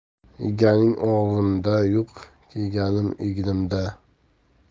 yeganim og'zimda yo'q kiyganim egnimda